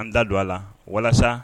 An da don a la walasa